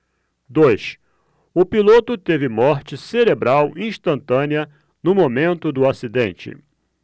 dois o piloto teve morte cerebral instantânea no momento do acidente